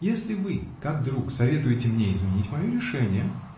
-- Если вы, как друг, советуете мне изменить мое решение.